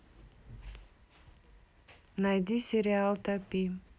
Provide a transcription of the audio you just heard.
найди сериал топи